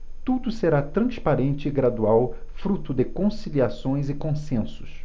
tudo será transparente e gradual fruto de conciliações e consensos